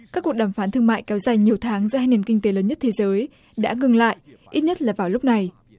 các cuộc đàm phán thương mại kéo dài nhiều tháng giữa hai nền kinh tế lớn nhất thế giới đã ngừng lại ít nhất là vào lúc này